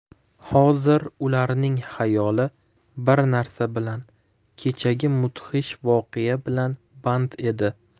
hozir ularning xayoli bir narsa bilan kechagi mudhish voqea bilan band edi